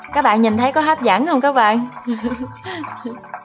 các bạn nhìn thấy có hấp dẫn hong các bạn